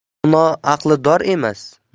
dono aqli dor emas